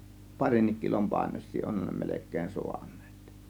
parinkin kilon painoisia onhan ne melkein saaneet